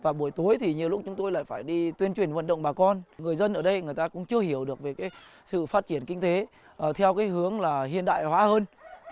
và buổi tối thì nhiều lúc chúng tôi lại phải đi tuyên truyền vận động bà con người dân ở đây người ta cũng chưa hiểu được về sự phát triển kinh tế ở theo cái hướng là hiện đại hóa hơn